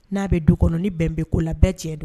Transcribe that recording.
N'a bɛ du kɔnɔi bɛn bɛ ko la bɛɛ cɛ don